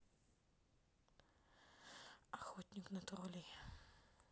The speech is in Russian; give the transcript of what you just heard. охотник на троллей